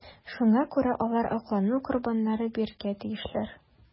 Шуңа күрә алар аклану корбаннары бирергә тиешләр.